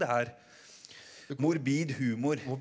det er morbid humor.